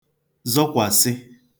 zọkwàsị